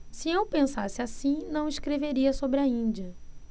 se eu pensasse assim não escreveria sobre a índia